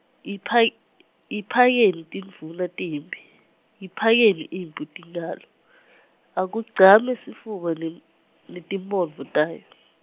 yipha- Yiphakeni tindvuna temphi, Yiphakeni imphi tinkhalo , Akugcame sifuba nem- netimphondvo tayo.